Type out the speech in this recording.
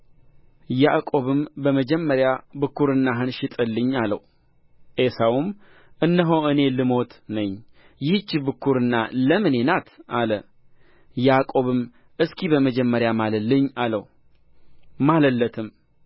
ያዕቆብም በመጀመሪያ ብኵርናህን ሽጥልኝ አለው ዔሳውም እነሆ እኔ ልሞት ነኝ ይህች ብኵርና ለምኔ ናት አለ ያዕቆብም እስኪ በመጀመሪያ ማልልኝ አለው ማለለትም